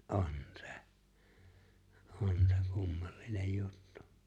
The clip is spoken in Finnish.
on se on se kummallinen juttu